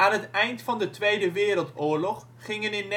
het eind van de Tweede Wereldoorlog gingen in